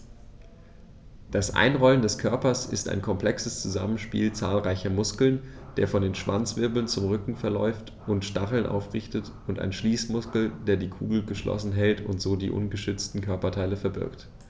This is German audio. Das Einrollen des Körpers ist ein komplexes Zusammenspiel zahlreicher Muskeln, der von den Schwanzwirbeln zum Rücken verläuft und die Stacheln aufrichtet, und eines Schließmuskels, der die Kugel geschlossen hält und so die ungeschützten Körperteile verbirgt.